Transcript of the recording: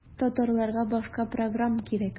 Татарларга башка программ кирәк.